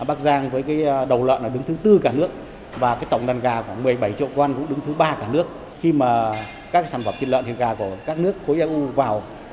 bắc giang với cái a đầu lợn là đứng thứ tư cả nước và cái tổng đàn gà khoảng mười bảy triệu con cũng đứng thứ ba cả nước khi mà các sản phẩm thịt lợn thịt gà của các nước khối e u vào